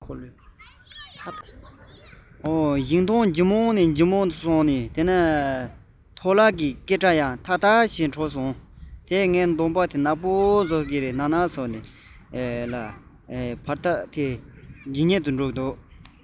གཡོ ལོ རྒྱས པའི ཤིང ཏོག སྐེས ཐེམ བཞིན གྱི ཞིང ཐང ཇེ མང ནས ཇེ མང དུ སོང འདྲུད འཐེན འཁོར ལོའི ཐ ཐ ཡི སྒྲ དུ ཞགས ཀྱིས ངའི གདོང ཡང ནག པོར བཟོས བར ཐག ཀྱང ཉེ བར འཐེན